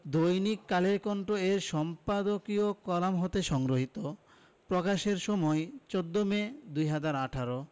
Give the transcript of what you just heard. দৈনিক কালের কণ্ঠ এর সম্পাদকীয় কলাম হতে সংগৃহীত প্রকাশের সময় ১৪ মে ২০১৮